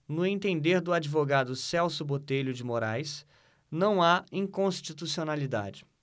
no entender do advogado celso botelho de moraes não há inconstitucionalidade